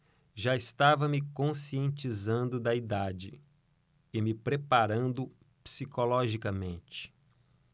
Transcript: já estava me conscientizando da idade e me preparando psicologicamente